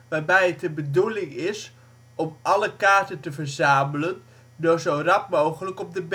waarbij het de bedoeling is om alle kaarten te verzamelen door zo rap mogelijk op de